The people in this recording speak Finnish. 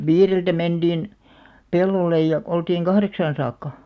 viideltä menin pellolle ja oltiin kahdeksaan saakka